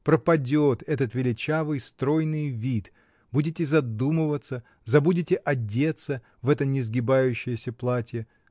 Пропадет этот величавый, стройный вид, будете задумываться, забудете одеться в это несгибающееся платье.